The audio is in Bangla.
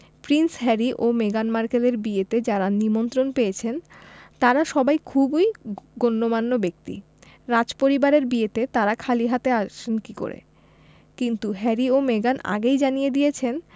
প্রিন্স হ্যারি ও মেগান মার্কেলের বিয়েতে যাঁরা নিমন্ত্রণ পেয়েছেন তাঁরা সবাই খুব গণ্যমান্য ব্যক্তি রাজপরিবারের বিয়েতে তাঁরা খালি হাতে আসেন কী করে কিন্তু হ্যারি ও মেগান আগেই জানিয়ে দিয়েছেন